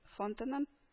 Фондының